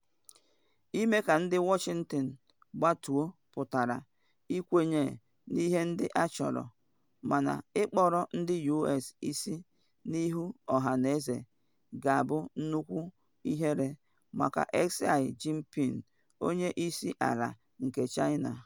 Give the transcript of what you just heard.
Ịme ka ndị Washington gbatuo pụtara ịkwenye na ihe ndị achọrọ, mana ịkpọọrọ ndị US isi n’ihu ọhaneze ga-abụ nnukwu ihere maka Xi Jinping, onye isi ala nke China.